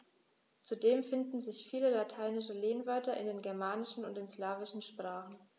Zudem finden sich viele lateinische Lehnwörter in den germanischen und den slawischen Sprachen.